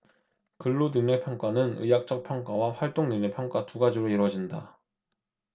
근로능력평가는 의학적 평가와 활동능력 평가 두 가지로 이뤄진다